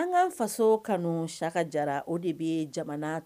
An ka faso kanu, Siyaka jara o de bɛ jamana